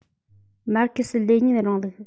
མར ཁེ སི ལེ ཉིན རིང ལུགས